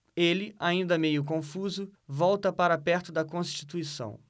ele ainda meio confuso volta para perto de constituição